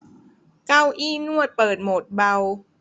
เก้าอี้นวดเปิดโหมดเบา